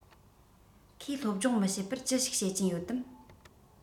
ཁོས སློབ སྦྱོང མི བྱེད པར ཅི ཞིག བྱེད ཀྱིན ཡོད དམ